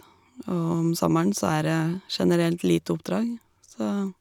Og om sommeren så er det generelt lite oppdrag, så...